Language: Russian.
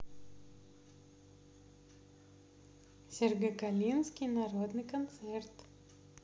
сергокалинский народный концерт